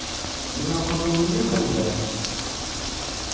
Лина кызым ни хәлдә?